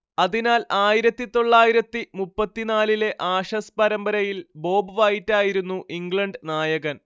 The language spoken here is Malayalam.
അതിനാൽ ആയിരത്തിതൊള്ളായിരത്തി മുപ്പത്തിനാലിലെ ആഷസ് പരമ്പരയിൽ ബോബ് വൈറ്റ് ആയിരുന്നു ഇംഗ്ലണ്ട് നായകൻ